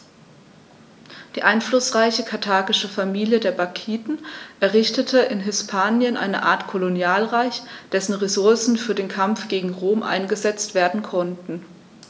Die einflussreiche karthagische Familie der Barkiden errichtete in Hispanien eine Art Kolonialreich, dessen Ressourcen für den Kampf gegen Rom eingesetzt werden konnten.